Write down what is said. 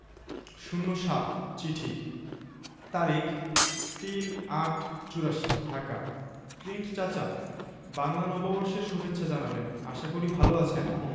০৭ চিঠি তারিখ ৩-৮-৮৪ ঢাকা ক্লিন্ট চাচা বাংলা নববর্ষের সুভেচ্ছা জানাবেন আশা করি ভালো আছেন